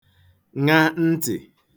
ṅa ntị̀